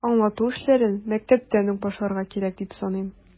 Аңлату эшләрен мәктәптән үк башларга кирәк, дип саныйм.